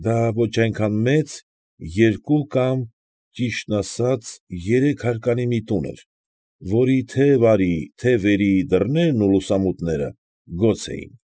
Դա ոչ այնքան մեծ, երկու կամ, ճիշտն ասած, երեք հարկանի մի տուն էր, որի թե՛ վարի ու թե՛ վերի դռներն ուլուսամուտները գոց էին։